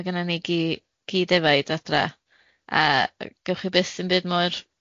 Ma' gynna ni gi gi defaid adra a gewch chi byth dim byd mor